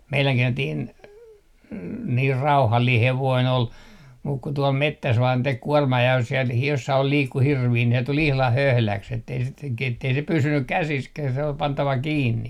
meidänkin entinen niin rauhallinen hevonen oli mutta kun tuolla metsässä vain teki kuormaa ja jos siellä - jossakin liikkui hirviä ne tuli ihan höhläksi että ei sitten - että ei se pysynyt käsissäkään se oli pantava kiinni